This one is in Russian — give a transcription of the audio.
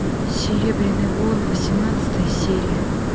серебряный бор восемнадцатая серия